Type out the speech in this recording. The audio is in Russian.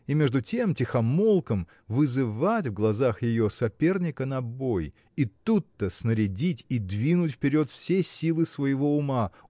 и между тем тихомолком вызывать в глазах ее соперника на бой и тут-то снарядить и двинуть вперед все силы своего ума